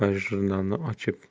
opa jurnalni ochib